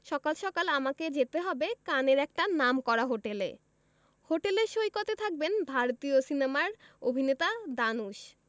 সকাল সকাল আমাকে যেতে হবে কানের একটা নামকরা হোটেলে হোটেলের সৈকতে থাকবেন ভারতীয় সিনেমার অভিনেতা ধানুশ